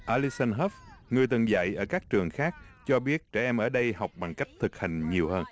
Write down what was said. a li sừn hấp người từng dạy ở các trường khác cho biết trẻ em ở đây học bằng cách thực hành nhiều hơn